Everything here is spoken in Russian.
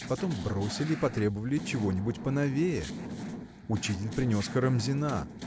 потом бросили и потребовали чего-нибудь поновее. Учитель принес Карамзина.